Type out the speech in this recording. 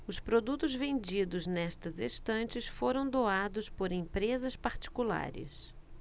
os produtos vendidos nestas estantes foram doados por empresas particulares